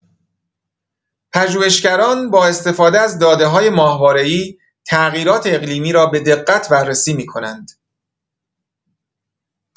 پژوهشگران با استفاده از داده‌های ماهواره‌ای تغییرات اقلیمی را به‌دقت بررسی می‌کنند.